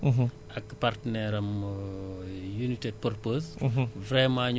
te ñu ñaan leen muy donc l' entreprise sociale